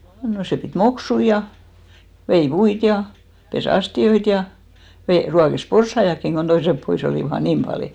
no se piti moksuja ja vei puita ja pesi astioita ja - ruokki porsaitakin kun toiset pois olivat aina niin paljon